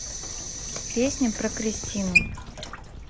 песня про кристину